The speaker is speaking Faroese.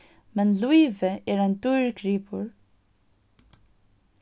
men lívið er ein dýrgripur